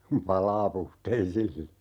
kun palaa puhteisilla